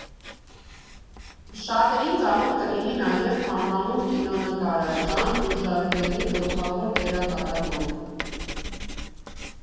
Շատերին ծանոթ կլինի նաև համանուն կինոնկարը՝ Ժան Դյուժարդենի գլխավոր դերակատարմամբ։